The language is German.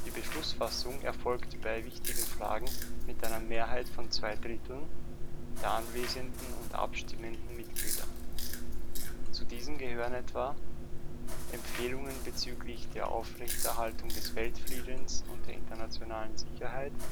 Beschlussfassung erfolgt bei wichtigen Fragen mit einer Mehrheit von Zweidritteln der anwesenden und abstimmenden Mitglieder. Zu diesen gehören etwa: Empfehlungen bezüglich der Aufrechterhaltung des Weltfriedens und der internationalen Sicherheit